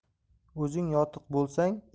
o'zing yotiq bo'lsang